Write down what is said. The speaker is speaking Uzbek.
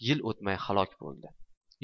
yil o'tmay halok bo'ldi